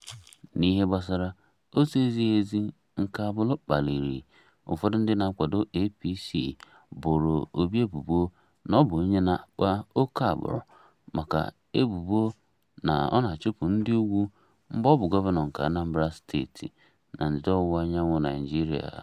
N'ihe gbasara ozi ezighi ezi nke agbụrụ kpaliri, ụfọdụ ndị nkwado APC boro Obi ebubo na ọ bụ onye na-akpa ókè agbụrụ maka ebubo na ọ na-achụpụ ndị ugwu mgbe ọ bụ gọvanọ nke Anambra State, na ndịda ọwụwa anyanwụ Naịjirịa.